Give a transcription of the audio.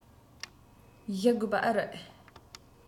གཞལ དགོས པ ཨེ རེད